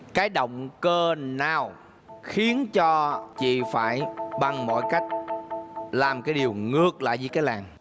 cái động cơ nào khiến cho chị phải bằng mọi cách làm cái điều ngược lại với cái làng